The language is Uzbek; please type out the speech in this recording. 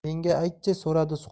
menga ayt chi so'radi